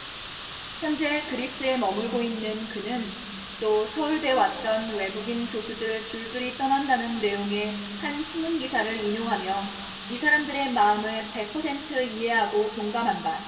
현재 그리스에 머물고 있는 그는 또 서울대 왔던 외국인 교수들 줄줄이 떠난다는 내용의 한 신문기사를 인용하며 이 사람들의 마음을 백 퍼센트 이해하고 동감한다